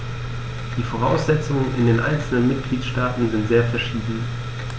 Die Voraussetzungen in den einzelnen Mitgliedstaaten sind sehr verschieden.